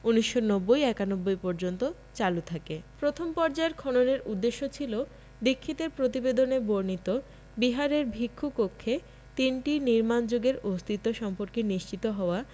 ৯৯০ ৯১ পর্যন্ত চালু থাকে প্রথম পর্যায়ের খননের উদ্দেশ্য ছিল দীক্ষিতের প্রতিবেদনে বর্ণিত বিহারের ভিক্ষু কক্ষে তিনটি নির্মাণ যুগের অস্তিত্ব সম্পর্কে নিশ্চিত হওয়া